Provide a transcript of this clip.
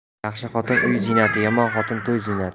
yaxshi xotin uy ziynati yomon xotin to'y ziynati